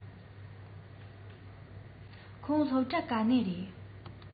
ཁོང སློབ གྲྭ ག ནས རེས